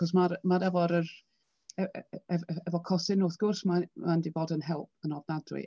Cos ma'r ma'r efo'r yr... ef- ef- ef- efo Cosyn wrth gwrs mae mae 'di bod yn help ofnadwy.